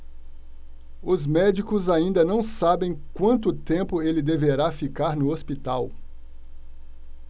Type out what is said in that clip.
os médicos ainda não sabem quanto tempo ele deverá ficar no hospital